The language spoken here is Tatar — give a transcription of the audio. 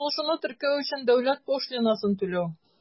Язылышуны теркәү өчен дәүләт пошлинасын түләү.